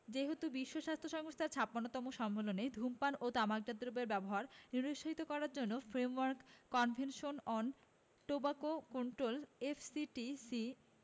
যেহেতু বিশ্বস্বাস্থ্য সংস্থার ৫৬তম সম্মেলনে ধূমপান ও তামাকজাত দ্রব্যের ব্যবহার নিরুৎসাহিত করার জন্য framework convention on tobacco control F C T C